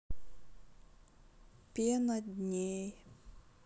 пена дней